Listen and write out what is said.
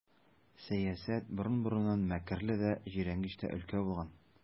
Сәясәт борын-борыннан мәкерле дә, җирәнгеч тә өлкә булган.